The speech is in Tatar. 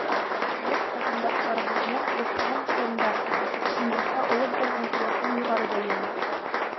Съезд ватандашларыбызның дошман тылында, тоткынлыкта алып барган көрәшен югары бәяли.